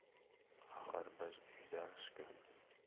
axir biz uydamizku